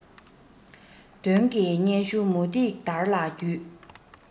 དོན གྱི སྙན ཞུ མུ ཏིག དར ལ བརྒྱུས